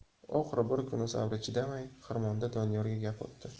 oxiri bir kuni sabri chidamay xirmonda doniyorga gap otdi